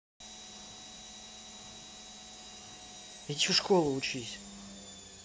иди в школу учись